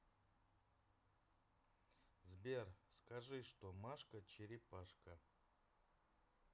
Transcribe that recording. сбер скажи что машка черепашка